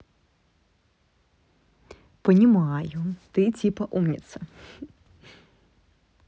понимаю я типа умница